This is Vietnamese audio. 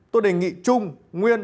tôi đề nghị trung nguyên